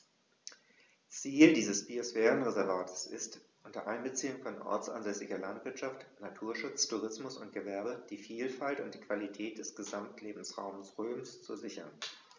Ziel dieses Biosphärenreservates ist, unter Einbeziehung von ortsansässiger Landwirtschaft, Naturschutz, Tourismus und Gewerbe die Vielfalt und die Qualität des Gesamtlebensraumes Rhön zu sichern.